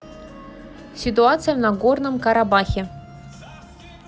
ситуация в нагорном карабахе